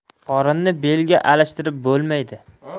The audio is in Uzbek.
qorinni belga alishtirib bo'lmaydi